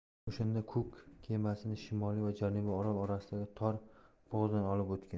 o'shanda kuk kemasini shimoliy va janubiy orol orasidagi tor bo'g'ozdan olib o'tgan